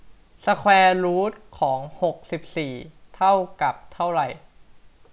สแควร์รูทของหกสิบสี่เท่ากับเท่าไหร่